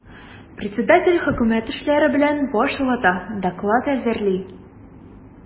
Председатель хөкүмәт эшләре белән баш вата, доклад хәзерли.